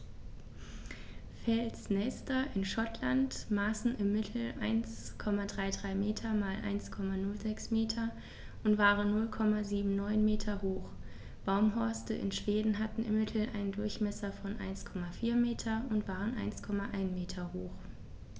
Felsnester in Schottland maßen im Mittel 1,33 m x 1,06 m und waren 0,79 m hoch, Baumhorste in Schweden hatten im Mittel einen Durchmesser von 1,4 m und waren 1,1 m hoch.